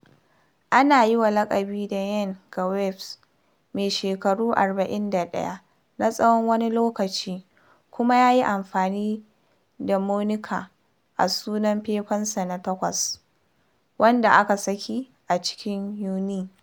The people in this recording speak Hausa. Ana yi wa lakabi da Ye ga West, mai shekaru 41 na tsawon wani lokaci kuma ya yi amfani da moniker a sunan faifansa na takwas, wanda aka sake a cikin Yuni.